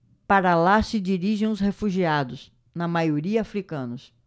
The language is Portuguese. para lá se dirigem os refugiados na maioria hútus